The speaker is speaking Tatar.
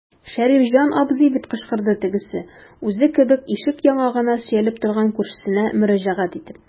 Шәрифҗан абзый, - дип кычкырды тегесе, үзе кебек ишек яңагына сөялеп торган күршесенә мөрәҗәгать итеп.